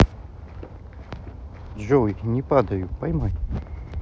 джой не падаю поймай